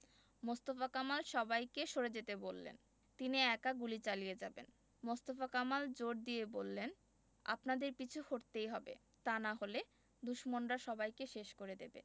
মোস্তফা কামাল সবাইকে সরে যেতে বললেন তিনি একা গুলি চালিয়ে যাবেন মোস্তফা কামাল জোর দিয়ে বললেন আপনাদের পিছু হটতেই হবে তা না হলে দুশমনরা সবাইকে শেষ করে দেবে